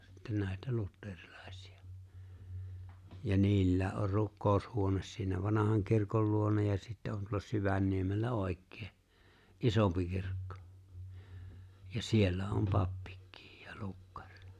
sitten näitä luterilaisia ja niillä on rukoushuone siinä vanhan kirkon luona ja sitten on tuolla Syvänniemellä oikein isompi kirkko ja siellä on pappikin ja lukkari